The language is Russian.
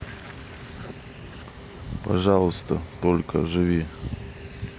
пожалуйста только живи